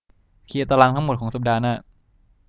เคลียร์ตารางทั้งหมดของสัปดาห์หน้า